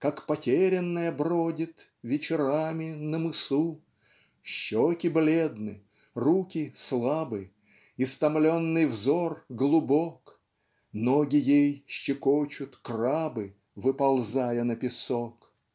Как потерянная бродит Вечерами на мысу. Щеки бледны руки слабы Истомленный взор глубок Ноги ей щекочут крабы Выползая на песок.